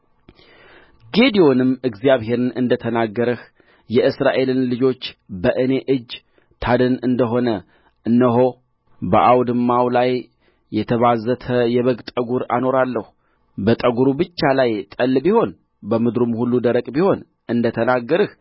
ጌዴዎንም እግዚአብሔርን እንደ ተናገርህ የእስራኤልን ልጆች በእኔ እጅ ታድን እንደ ሆነ እነሆ በአውድማው ላይ የተባዘተ የበግ ጠጕር አኖራለሁ በጠጕሩ ብቻ ላይ ጠል ቢሆን በምድሩም ሁሉ ደረቅ ቢሆን እንደ ተናገርህ